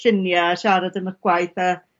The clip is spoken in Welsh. llunie a siarad am 'ych gwaith a